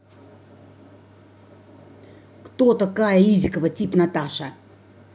кто такая изикова тип наташа